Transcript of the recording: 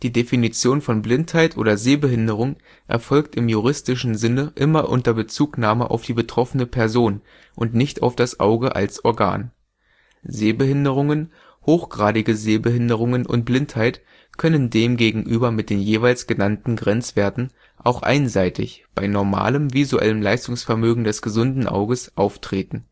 Definition von Blindheit oder Sehbehinderung erfolgt im juristischen Sinne immer unter Bezugnahme auf die betroffene " Person " und nicht auf das Auge als " Organ ". Sehbehinderungen, hochgradige Sehbehinderungen und Blindheit können demgegenüber mit den jeweils genannten Grenzwerten auch einseitig - bei normalem visuellem Leistungsvermögen des gesunden Auges - auftreten